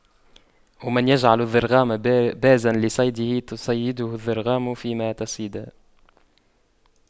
ومن يجعل الضرغام بازا لصيده تَصَيَّدَهُ الضرغام فيما تصيدا